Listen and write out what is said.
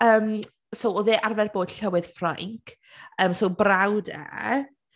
Yym, so oedd e arfer bod Llywydd Ffrainc, yym, so brawd e.